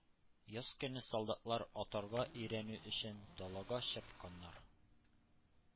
Яз көне солдатлар атарга өйрәнү өчен далага чыкканнар.